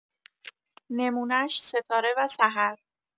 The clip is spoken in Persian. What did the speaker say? نمونش ستاره و سحر